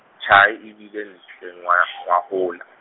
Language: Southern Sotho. tjhai e bile ntle ngwa-, ngwahola.